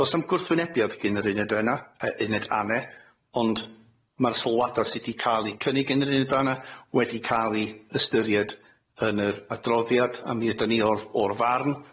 Do's na'm gwrthwynebiad gin yr uned ena yy uned ane ond ma'r sylwada' sy' di ca'l i cynnig yn yr uned ane wedi ca'l i ystyried yn yr adroddiad a mi ydan ni o'r o'r farn,